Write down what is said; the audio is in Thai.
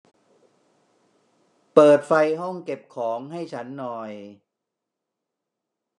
เปิดไฟห้องเก็บของให้ฉันหน่อย